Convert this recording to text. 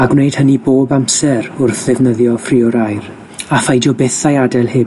a gwneud hynny bob amser wrth ddefnyddio ffriwr aer, a pheidio byth a'i adael heb